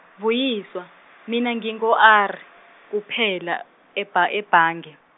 Vuyiswa, mina ngino R, kuphela, ebh- bhangi.